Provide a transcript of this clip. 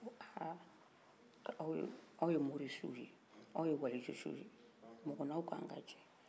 a ko ah aw ye mori siw de ye aw ye waliju siw de ye mɔgɔ n'aw ka kan kajɛ